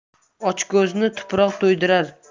ochko'zni tuproq to'ydirar